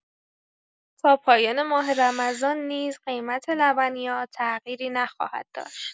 تا پایان ماه رمضان نیز قیمت لبنیات تغییری نخواهد داشت.